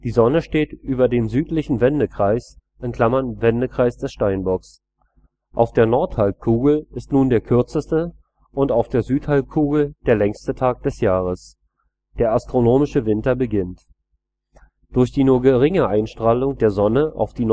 Sonne steht über dem südlichen Wendekreis (Wendekreis des Steinbocks). Auf der Nordhalbkugel ist nun der kürzeste und auf der Südhalbkugel der längste Tag des Jahres. Der astronomische Winter beginnt. Durch die nun geringe Einstrahlung der Sonne auf die